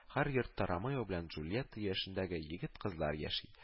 Һәр йортта ромео белән джульетта яшендәге егет-кызлар яши